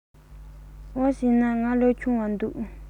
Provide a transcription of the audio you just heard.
འོ བྱས ན ང ལོ ཆུང བ འདུག